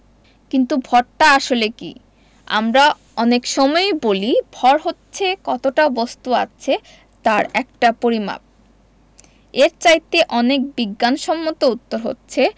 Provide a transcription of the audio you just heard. কিন্তু ভরটা আসলে কী আমরা অনেক সময়েই বলি ভর হচ্ছে কতটা বস্তু আছে তার একটা পরিমাপ এর চাইতে অনেক বিজ্ঞানসম্মত উত্তর হচ্ছে